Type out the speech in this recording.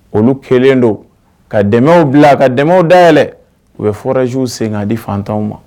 Olu kɛlen don ka dɛmɛw bila a ka dɛmɛ dayɛlɛ u bɛ f furajjuw sen' di fantanw ma